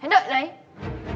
hãy đợi đấy